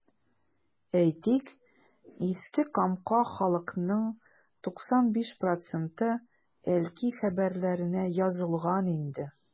Әйтик, Иске Камка халкының 95 проценты “Әлки хәбәрләре”нә язылган инде.